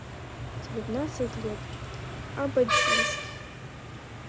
девятнадцать лет ободзинский